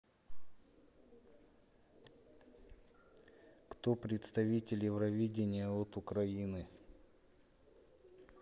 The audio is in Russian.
кто представитель евровидения от украины